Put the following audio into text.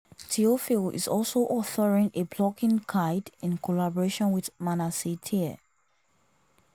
Théophile is also authoring a blogging guide in collaboration with Manasseh Deheer.